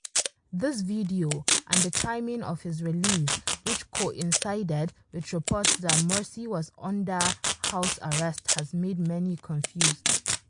This video, and the timing of his release which coincided with reports that Morsi was under house arrest, has made many confused.